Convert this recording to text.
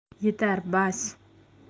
yetar bas